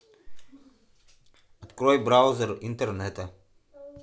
открой браузер интернета